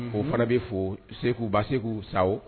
O fana bɛ fo seguba segu sago